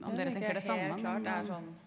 jeg tenker helt klart det er sånn.